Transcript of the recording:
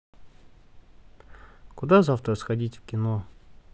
куда завтра сходить в кино